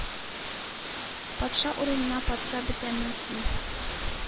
Патша урынына патша бетәме соң,